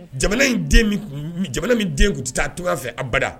Jamana jamana min den tun taa to fɛ abada